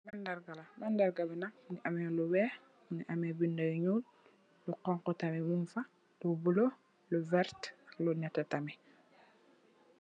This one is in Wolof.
Mandarga la, mandarga bi nak mugii ameh lu wèèx, mugii ameh bindé yu ñuul, lu xonxu tamit muñ fa lu bula lu werta lu netteh tamit.